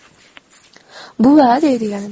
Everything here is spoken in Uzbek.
buva deydi yalinib